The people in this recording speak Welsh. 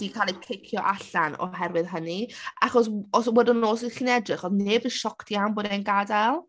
'Di cael ei cicio allan oherwydd hynny achos w- os wedyn os o' chi'n edrych oedd neb yn shocked iawn bod e'n gadael.